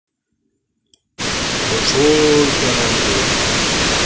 большой коралловый риф